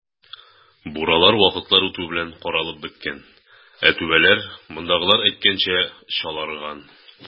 Буралар вакытлар үтү белән каралып беткән, ә түбәләр, мондагылар әйткәнчә, "чаларган".